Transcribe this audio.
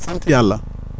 sant yàlla